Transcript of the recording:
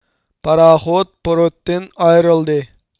پاراخوت پورتتىن ئايرىلدى